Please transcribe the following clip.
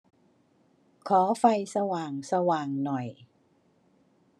ขอไฟสว่างสว่างหน่อย